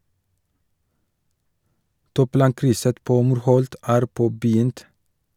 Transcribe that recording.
Toplankrysset på Morholt er påbegynt.